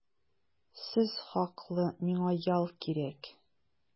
Сез хаклы, миңа ял кирәк.